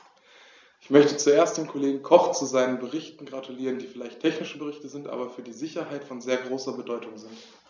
Ich möchte zuerst dem Kollegen Koch zu seinen Berichten gratulieren, die vielleicht technische Berichte sind, aber für die Sicherheit von sehr großer Bedeutung sind.